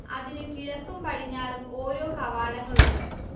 അതിനു കിഴക്കും പടിഞ്ഞാറും ഓരോ കവാടങ്ങളുണ്ട്